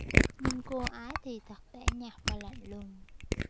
nhưng cô ấy thì thật tẻ nhạt và lạnh lùng